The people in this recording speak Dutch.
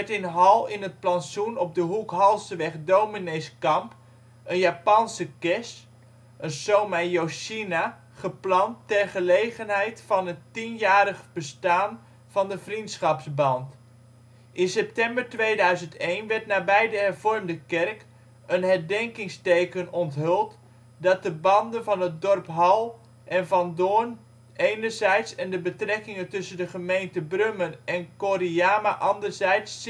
in Hall in het plantsoen op de hoek Hallseweg - Domineeskamp een Japanse kers (Somei Yoshina) geplant ter gelegenheid van het tienjarig bestaan van de vriendschapsband. In september 2001 werd nabij de Hervormde Kerk een herdenkingsteken onthuld dat de banden van het dorp Hall en Van Doorn enerzijds en de betrekkingen tussen de gemeente Brummen en Koriyama anderzijds